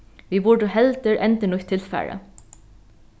vit burdu heldur endurnýtt tilfarið